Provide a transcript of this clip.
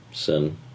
Sun?